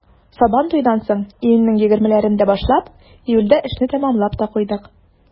Сабантуйдан соң, июньнең 20-ләрендә башлап, июльдә эшне тәмамлап та куйдык.